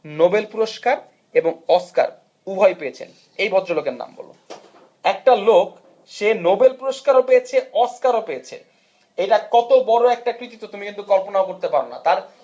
Nobel পুরস্কার এবং Oscar উভয়ই পেয়েছেন এই ভদ্রলোকের নাম বল একটা লোক সে নোবেল পুরস্কার ও পেয়েছে অস্কারও পেয়েছে এটা কত বড় একটা কৃতিত্ব তুমি কিন্তু কল্পনা করতে পার না তার